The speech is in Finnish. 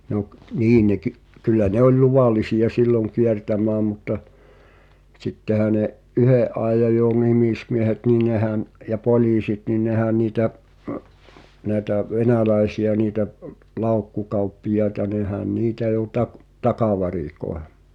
no - niin ne - kyllä ne oli luvallisia silloin kiertämään mutta sittenhän ne yhden ajan jo nimismiehet niin nehän ja poliisit niin nehän niitä näitä venäläisiä niitä laukkukauppiaita nehän niitä jo - takavarikoi